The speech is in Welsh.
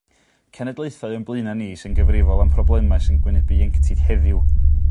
Cenedlaethau o'n blaena ni sy'n gyfrifol am problema sy'n gwynebu ienctid heddiw.